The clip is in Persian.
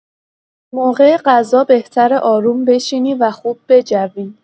موقع غذا بهتره آروم بشینی و خوب بجوی.